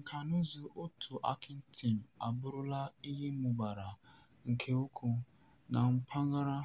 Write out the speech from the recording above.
Nkanụzụ òtù Hacking Team abụrụla ihe mụbara nke ukwuu na mpaghara